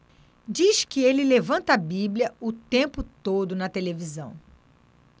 diz que ele levanta a bíblia o tempo todo na televisão